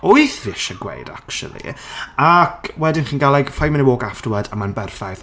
Wyth fi isie gweud, actually. Ac, wedyn chi'n gael like, five minute walk afterwards a mae'n berffaith.